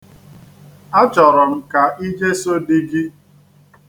Achọrọ m ka ijeso di gị.